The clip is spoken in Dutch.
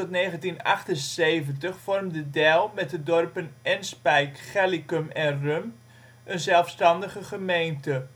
1810 tot 1978 vormde Deil, met de dorpen Enspijk, Gellicum en Rumpt een zelfstandige gemeente